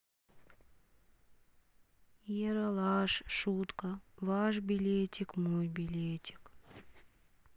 ералаш шутка ваш билетик мой билетик